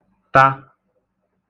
ta